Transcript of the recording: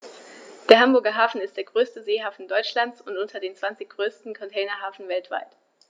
Der Hamburger Hafen ist der größte Seehafen Deutschlands und unter den zwanzig größten Containerhäfen weltweit.